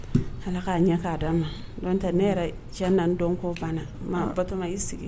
Ala k'a ɲɛ k'a d'a ma ta ne yɛrɛ ca na dɔn kɔ fana ba y'i sigi